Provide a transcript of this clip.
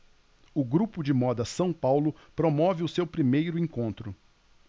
o grupo de moda são paulo promove o seu primeiro encontro